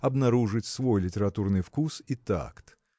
обнаружить свой литературный вкус и такт.